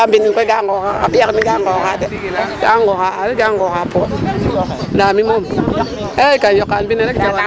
Ndaa mbind in kay ga nqooxaa xa ɓiy axe in ga nqooxaq de, gaa nqooxaq aareer ga nqooxaa pooƭ ndaa mi moon kan yoqa mbind ne rek jawanaa den.